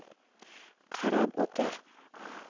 qarab o'ter